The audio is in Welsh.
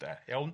De? iawn?